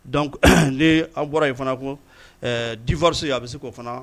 Dɔnkuc ni an bɔra ye fana ko difasi a bɛ se k oo fana